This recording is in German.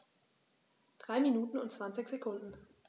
3 Minuten und 20 Sekunden